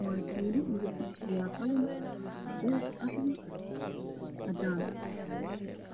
Waa meesha musqusha ah oo midabkiisu yahay caddaan oo bir celinayso